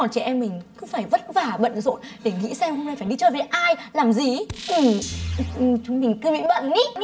còn chị em mình cứ phải vất vả bận rộn để nghĩ xem hôm nay phải đi chơi với ai làm gì ý chúng mình cứ bị bận ý